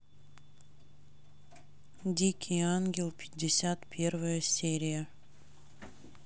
дикий ангел пятьдесят первая серия